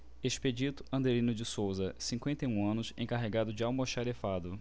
expedito andrelino de souza cinquenta e um anos encarregado de almoxarifado